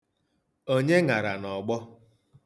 Onye ṅara n'ọgbọ?